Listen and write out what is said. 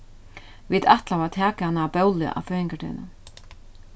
vit ætlaðu at taka hana á bóli á føðingardegnum